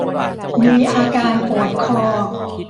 มีอาการปวดคอ